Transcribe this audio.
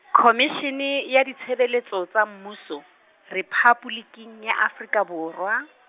khomishene ya Ditshebeletso tsa Mmuso, Rephaboliki ya Afrika Borwa.